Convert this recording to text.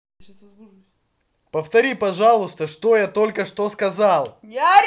повтори пожалуйста что я только что сказал